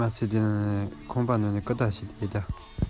སྐད ཆ མང པོ ཞིག བཤད རྗེས